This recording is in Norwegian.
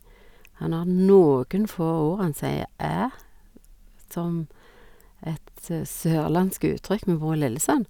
Han har noen få ord, han sier e som et sørlandsk uttrykk, vi bor i Lillesand.